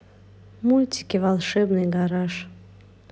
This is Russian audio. мультики волшебный гараж